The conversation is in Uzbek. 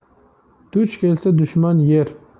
duch kelsa dushman yer